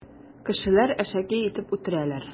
Кешеләр әшәке итеп үтерәләр.